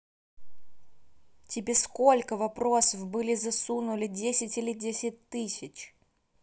тебе сколько вопросов были засунули десять или десять тысяч